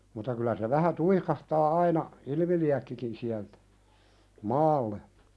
mutta kyllä se vähän tuikahtaa aina ilmiliekkikin sieltä maalle